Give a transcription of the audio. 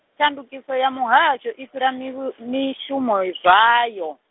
tshandukiso ya Muhasho i fhira mivhu- mishumo, zwayo.